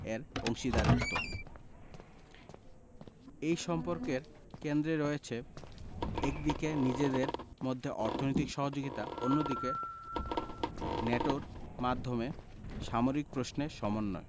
এই অংশীদারত্ব এই সম্পর্কের কেন্দ্রে রয়েছে একদিকে নিজেদের মধ্যে অর্থনৈতিক সহযোগিতা অন্যদিকে ন্যাটোর মাধ্যমে সামরিক প্রশ্নে সমন্বয়